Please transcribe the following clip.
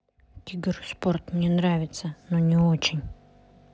тигр спорт мне нравится но не очень